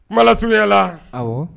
Kuma la surunya la; awɔ.